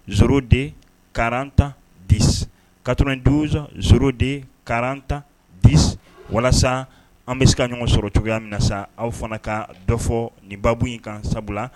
Zro de karan tan di katon donso sro de karan tan di walasa an bɛ se ka ɲɔgɔn sɔrɔ cogoya min na sa aw fana ka dɔ fɔ ni ba in kan sabula